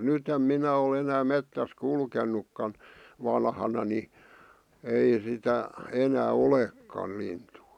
nyt en minä ole enää metsässä kulkenutkaan vanhana niin ei sitä enää olekaan lintua